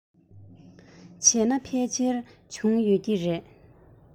བྱས ན ཕལ ཆེར བྱུང ཡོད ཀྱི རེད